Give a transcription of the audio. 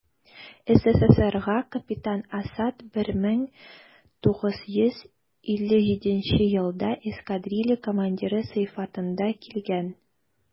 СССРга капитан Асад 1957 елда эскадрилья командиры сыйфатында килгән.